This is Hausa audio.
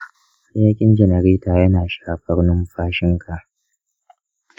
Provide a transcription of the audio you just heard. hayaƙin janareta yana shafar numfashinka?